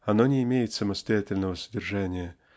оно не имеет самостоятельного содержания